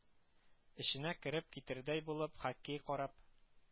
Эченә кереп китәрдәй булып, хоккей карап